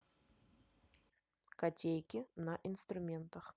котейки на инструментах